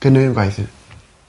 Piniwn am gwaith ia?